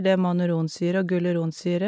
Det er mannuronsyre og guluronsyre.